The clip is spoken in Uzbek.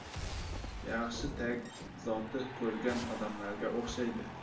yaxshi tag zoti ko'rgan odamlarga o'xshaydi